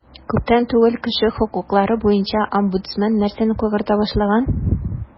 Күптән түгел кеше хокуклары буенча омбудсмен нәрсәне кайгырта башлаган?